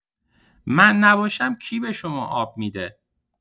من نباشم کی به شما آب می‌ده؟